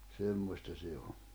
semmoista se on